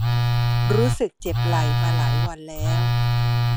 รู้สึกเจ็บไหล่มาหลายวันแล้ว